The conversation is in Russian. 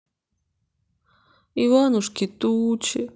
иванушки тучи